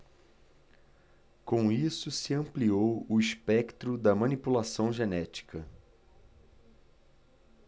com isso se ampliou o espectro da manipulação genética